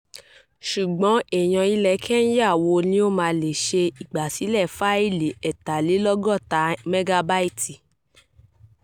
Ṣùgbọ́n èèyàn ilẹ̀ Kenya wo ni ó máa lè ṣe ìgbàsílẹ̀ fáìlì 63 MB?